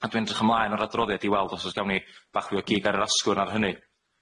A dwi'n edrych ymlaen o'r adroddiad i weld os o's gawn ni bach fwy o gig ar yr asgwrn ar hynny.